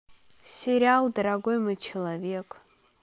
сериал дорогой мой человек